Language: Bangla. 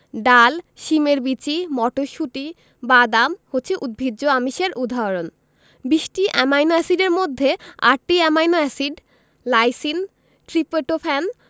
ডাল শিমের বিচি মটরশুঁটি বাদাম হচ্ছে উদ্ভিজ্জ আমিষের উদাহরণ ২০টি অ্যামাইনো এসিডের মধ্যে ৮টি অ্যামাইনো এসিড লাইসিন ট্রিপেটোফ্যান